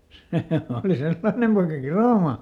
se oli sellainen poika kiroamaan